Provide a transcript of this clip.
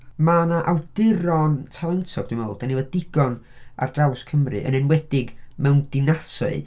Mae 'na awduron talentog, dwi'n meddwl. Dan ni efo digon ar draws Cymru, yn enwedig mewn dinasoedd.